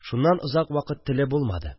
Шуннан озак вакыт теле булмады